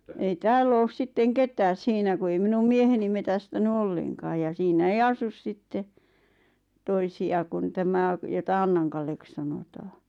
ei täällä ole sitten ketään siinä kun ei minun mieheni metsästänyt ollenkaan ja siinä ei asu sitten toisia kuin tämä jota Annan Kalleksi sanotaan